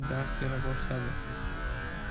dars bera boshladi